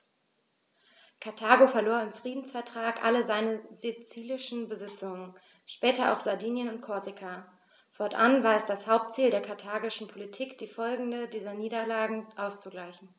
Karthago verlor im Friedensvertrag alle seine sizilischen Besitzungen (später auch Sardinien und Korsika); fortan war es das Hauptziel der karthagischen Politik, die Folgen dieser Niederlage auszugleichen.